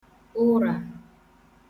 ụrà